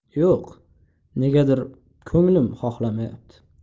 yo'q negadir ko'nglim xohlamayapti